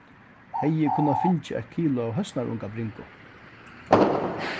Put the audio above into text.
hevði eg kunnað fingið eitt kilo av høsnarungabringu